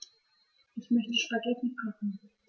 Ich möchte Spaghetti kochen.